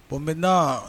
Bɔn bɛ na